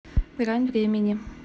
грань времени